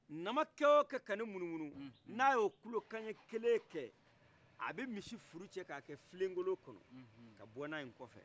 nama kɛ o kɛ ka ne munumunu ni a ye kulokan ɲɛkelen kɛ a bɛ misi furu cɛ ka kɛ filenkolon kɔnɔ ka bɔ ni a ye n kɔfɛ